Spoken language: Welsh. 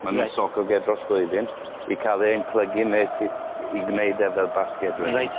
Ma' nw'n socog e dros blwyddyn i ca'l e yn plygu neis i i gneud e fel basged wedyn. Reit.